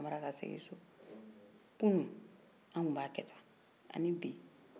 kunu an tun b'a kɛ tan ani bi u kɛ cogo tɛ kelen ye